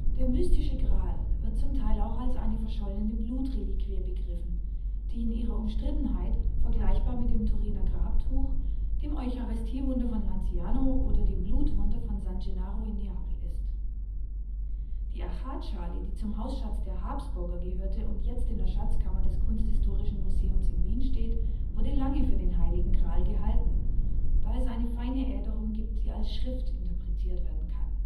Der mystische Gral wird zum Teil auch als eine verschollene Blut-Reliquie begriffen, die in ihrer Umstrittenheit vergleichbar mit dem Turiner Grabtuch, dem Eucharistie-Wunder von Lanciano oder dem Blutwunder von San Gennaro in Neapel ist. Die Achatschale, die zum Hausschatz der Habsburger gehörte und jetzt in der Schatzkammer des Kunsthistorischen Museums in Wien steht, wurde lange für den Heiligen Gral gehalten, da es eine feine Äderung gibt, die als Schrift interpretiert werden kann